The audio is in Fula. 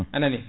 anani